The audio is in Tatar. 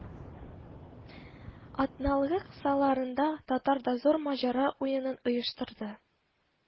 Атналыгы кысаларында татар дозор маҗара уенын оештырды